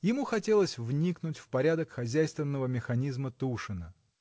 Ему хотелось вникнуть в порядок хозяйственного механизма Тушина.